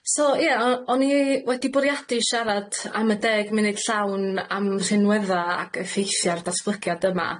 So ia, o- o'n i wedi bwriadu siarad am y deg munud llawn am rhinwedda ac effeithia'r datblygiad yma